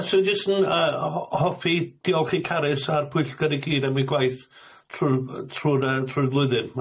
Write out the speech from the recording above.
Yy 'swn i jyst yn yy ho- hoffi diolch i Carys a'r Pwyllgor i gyd am ei gwaith trw'r yy trw'r yy trw'r flwyddyn.